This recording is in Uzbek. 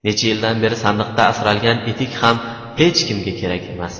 shuncha yildan beri sandiqda asralgan etik ham hech kimga kerak emas